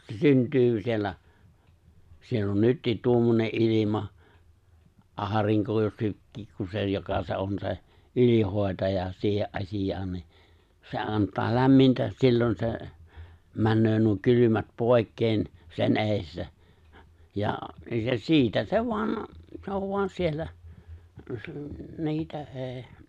se syntyy siellä siellä on nytkin tuommoinen ilma aurinko jo - kun se joka on se ylihoitaja siihen asiaan niin se antaa lämmintä silloin se menee nuo kylmät pois sen edestä ja se siitä se vain se on vain siellä se - niitä ei